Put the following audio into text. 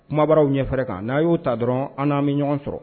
Kumabaaraw ɲɛfɛɛrɛ kan n'a y'o ta dɔrɔn an n'an bɛ ɲɔgɔn sɔrɔ